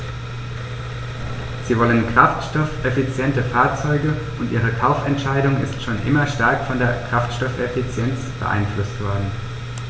Sie wollen kraftstoffeffiziente Fahrzeuge, und ihre Kaufentscheidung ist schon immer stark von der Kraftstoffeffizienz beeinflusst worden.